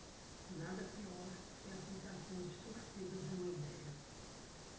nada pior que a aplicação distorcida de uma idéia